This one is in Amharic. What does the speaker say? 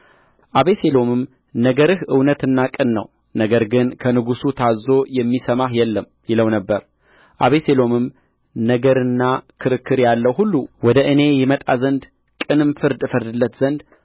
አቤሴሎምም ነገርህ እውነትና ቅን ነው ነገር ግን ከንጉሥ ታዝዞ የሚሰማህ የለም ይለው ነበር አቤሴሎምም ነገርና ክርክር ያለው ሁሉ ወደ እኔ ይመጣ ዘንድ ቅንም ፍርድ እፈርድለት ዘንድ